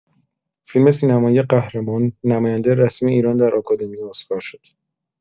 فیلم سینمایی «قهرمان» نماینده رسمی ایران در آکادمی اسکار شد.